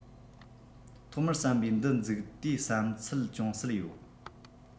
ཐོག མར ཟམ པའི འདི འཛུགས དུས བསམ ཚུལ ཅུང ཟད ཡོད